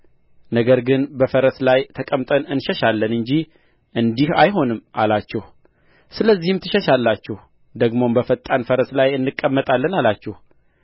ነገር ግን በፈረስ ላይ ትቀምጠን እንሸሻለን እንጂ እንዲህ አይሆንም አላችሁ ስለዚህም ትሸሻላችሁ ደግሞም በፈጣን ፈረስ ላይ እንቀመጣለን አላችሁ